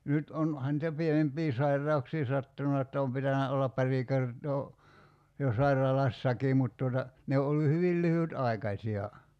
nyt - onhan niitä pienempiä sairauksia sattunut että on pitänyt olla pari kertaa jo sairaalassakin mutta tuota ne on ollut hyvin lyhytaikaisia